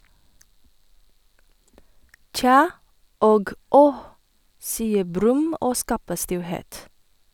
"Tja" og "Åh!", sier Brumm og skaper stillhet.